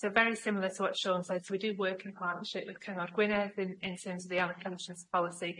So very similar to what Siôn said so we do work in partnership with Cyngor Gwynedd in in terms of the allocations policy.